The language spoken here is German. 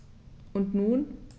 Und nun?